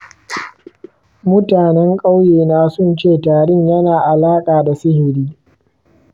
mutanen ƙauyena sun ce tarin yana da alaka da sihiri.